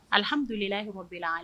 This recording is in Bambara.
Alihamdulila bila ale